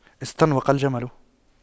استنوق الجمل